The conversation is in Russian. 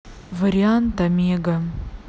вариант омега